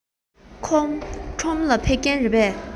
ཁོང ཁྲོམ ལ ཕེབས མཁན རེད པས